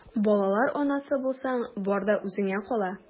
Балалар анасы булсаң, бар да үзеңә кала...